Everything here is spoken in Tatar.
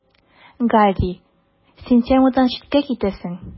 Гарри: Син темадан читкә китәсең.